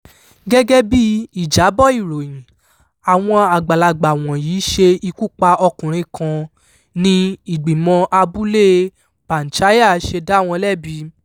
Gẹ̀gẹ̀ bí ìjábọ̀ ìròyìn, àwọn àgbàlagbà wọ̀nyí ṣe ikú pa ọkùnrin kan, ni ìgbìmọ̀ abúlée Panchayat ṣe dá wọn lẹ́bi.